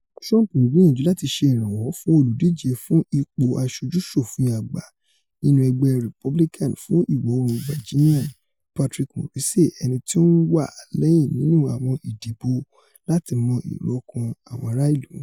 Trump ńgbìyànjú láti ṣe ìrànwọ́ fún olùdíje fún ipò Aṣojú-ṣòfin Àgbà nínú ẹgbẹ́ Republican fún Ìwọ-oòrùn Virginia Patrick Morrisey ẹniti ó ńwà lẹ́yìn nínú àwọn ìdìbò láti mọ èrò-ọkàn àwọn ara ìlú.